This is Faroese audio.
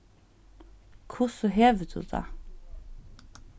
hvussu hevur tú tað